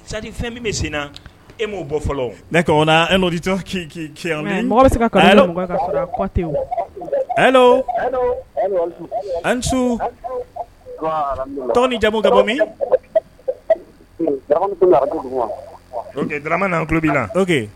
Sadi fɛn min bɛ sen na e m'o bɔ fɔlɔ ne e n mɔgɔ setɛ ao an tɔn jamumu ka bɔ min dɔrɔnurama naan tulolo b na